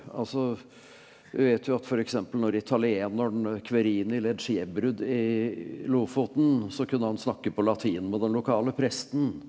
altså vi vet jo at f.eks. når italieneren i Lofoten så kunne han snakke på latin med den lokale presten.